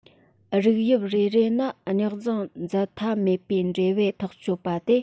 རིགས དབྱིབས རེ རེ ནི རྙོག འཛིང འཛད མཐའ མེད པའི འབྲེལ བས ཐག གཅོད པ སྟེ